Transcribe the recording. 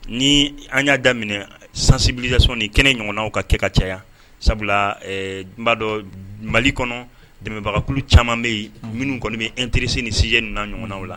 Ni an y'a daminɛ sansibilida sɔn kɛnɛ ɲɔgɔnw ka kɛ ka caya sabulabaa dɔ mali kɔnɔ dɛmɛbagakulu caman bɛ yen minnu kɔni bɛ e terisi sjɛ nana ɲɔgɔnw la